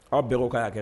Aw bɛɛ ka' kɛ